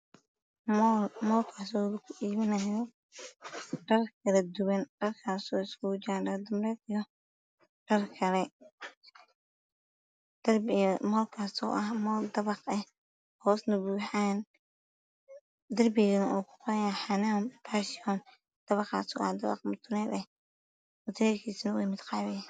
Waa mool moolkaas oo lagu iibinaayo dhar kala duwan dharkaas oo isugu jira dhar dumareed io dhar kale moolkaas oo ah mool daqab ah hoosna buuxaan darbigana uu ku qoran yahay xanaan faashiyoon dabaqaas oo ah mid matuleel ah huteelkiisa waa mid qaali ah